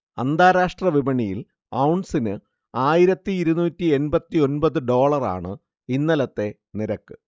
അന്താരാഷ്ട്ര വിപണിയിൽ ഔൺസിന് ആയിരത്തി ഇരുന്നൂറ്റി എൺപത്തി ഒൻപത് ഡോളറാണ് ഇന്നലത്തെ നിരക്ക്